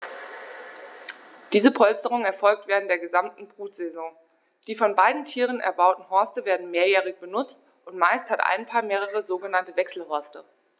Diese Polsterung erfolgt während der gesamten Brutsaison. Die von beiden Tieren erbauten Horste werden mehrjährig benutzt, und meist hat ein Paar mehrere sogenannte Wechselhorste.